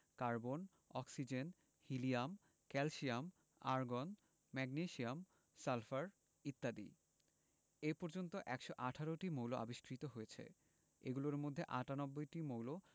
carbon oxygen helium calcium argon magnesium sulphur ইত্যাদি এ পর্যন্ত ১১৮টি মৌল আবিষ্কৃত হয়েছে এগুলোর মধ্যে ৯৮টি মৌল